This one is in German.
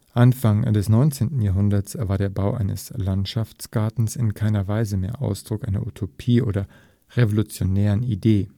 Anfang des 19. Jahrhunderts war der Bau eines Landschaftsgartens in keiner Weise mehr Ausdruck einer Utopie oder revolutionären Idee